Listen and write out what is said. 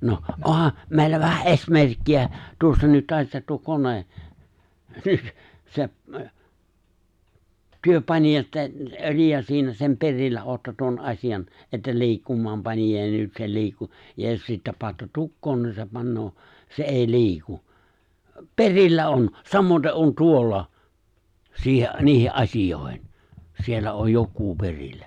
no onhan meillä vähän esimerkkiä tuossa nyt tässä tuo kone se te panitte että - sen perillä olette tuon asian että liikkumaan panitte ja nyt se liikkui ja jos sitten panette tukkoon niin se panee se ei liiku perillä on samaten on tuolla siihen niihin asioihin siellä on joku perillä